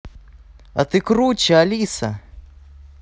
а ты круче алиса